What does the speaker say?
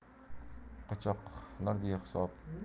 qochoqlar behisob